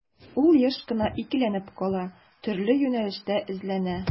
Ул еш кына икеләнеп кала, төрле юнәлештә эзләнә.